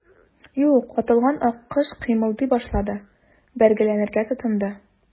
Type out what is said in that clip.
Юк, атылган аккош кыймылдый башлады, бәргәләнергә тотынды.